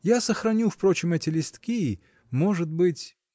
Я сохраню, впрочем, эти листки: может быть.